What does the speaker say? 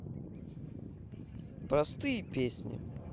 простые песни